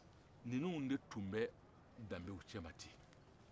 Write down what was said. ninnuw de tun bɛ danbew cɛman ten